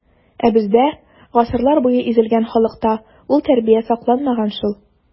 Ә бездә, гасырлар буе изелгән халыкта, ул тәрбия сакланмаган шул.